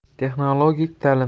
texnologik ta'lim